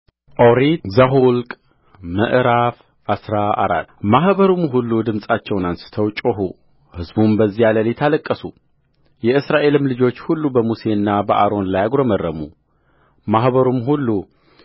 ኦሪት ዘኍልቍ ምዕራፍ አስራ አራት ማኅበሩም ሁሉ ድምፃቸውን አንሥተው ጮኹ ሕዝቡም በዚያ ሌሊት አለቀሱየእስራኤልም ልጆች ሁሉ በሙሴና በአሮን ላይ አጕረመረሙ ማኅበሩም ሁሉ